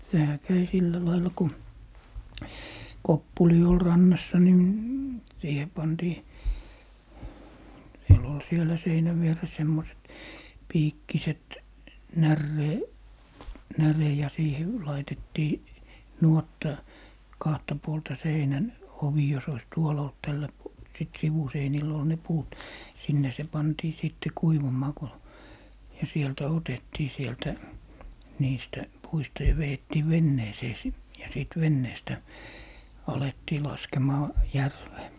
sehän kävi sillä lailla kun koppuli oli rannassa niin siihen pantiin siellä oli siellä seinän vieressä semmoiset piikkiset - näre ja siihen laitettiin nuotta kahta puolta seinän ovi jos olisi tuolla ollut tällä - sitten sivuseinillä oli ne puut sinne se pantiin sitten kuivumaan kun ja sieltä otettiin sieltä niistä puista ja vedettiin veneeseen sitten ja sitten veneestä alettiin laskemaan järveen